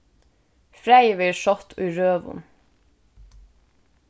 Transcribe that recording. fræið verður sátt í røðum